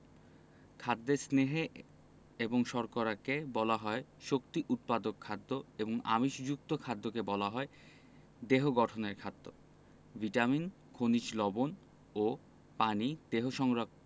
খাদ্যে স্নেহে এবং শর্করাকে বলা হয় শক্তি উৎপাদক খাদ্য এবং আমিষযুক্ত খাদ্যকে বলা হয় দেহ গঠনের খাদ্য ভিটামিন খনিজ লবন ও পানি দেহ সংরক